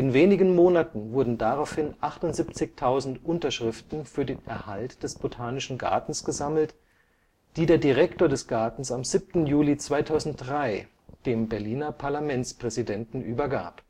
wenigen Monaten wurden daraufhin 78.000 Unterschriften für den Erhalt des Botanischen Gartens gesammelt, die der Direktor des Gartens am 7. Juli 2003 dem Berliner Parlamentspräsidenten übergab